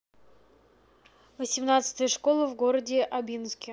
восемнадцатая школа в городе обнинске